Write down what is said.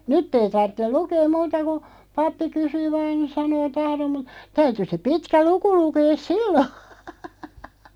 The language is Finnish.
nyt ei tarvitse lukea muuta kuin pappi kysyy vain niin sanoo tahdon mutta täytyi se pitkä luku lukea silloin